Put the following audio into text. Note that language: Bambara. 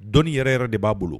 Dɔni yɛrɛ yɛrɛ de b'a bolo